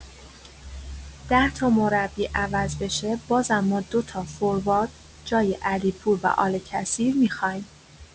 ده‌تا مربی عوض بشه، بازم ما دو تا فوروارد جای علیپور و آل کثیر می‌خاییم.